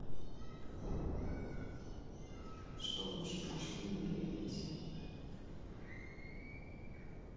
что лучше машины или люди